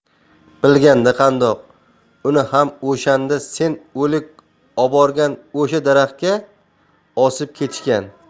bilganda qandoq uni ham o'shanda sen o'lik oborgan o'sha daraxtga osib ketishgan